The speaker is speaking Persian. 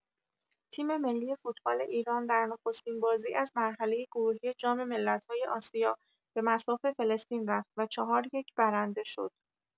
تیم‌ملی فوتبال ایران در نخستین بازی از مرحله گروهی جام ملت‌های آسیا به مصاف فلسطین رفت و ۱ - ۴ برنده شد.